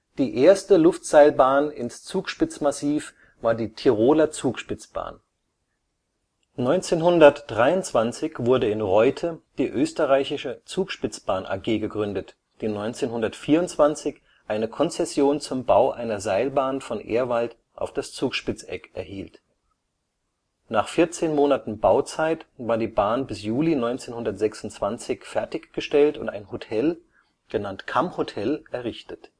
Die erste Luftseilbahn ins Zugspitzmassiv war die Tiroler Zugspitzbahn. 1923 wurde in Reutte die Österreichische Zugspitzbahn AG gegründet, die 1924 eine Konzession zum Bau einer Seilbahn von Ehrwald auf das Zugspitzeck erhielt. Nach 14 Monaten Bauzeit war die Bahn bis Juli 1926 fertig gestellt und ein Hotel, genannt Kammhotel errichtet